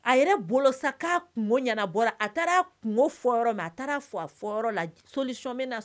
A sa ɲɛna a taara a taara la